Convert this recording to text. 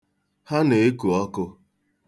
Ha na-eku ọkụ.